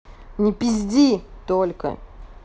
не пизди только